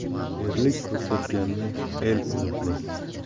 erlik ko'rsatganni el unutmas